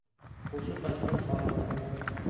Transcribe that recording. qo'shiq aytgan horimas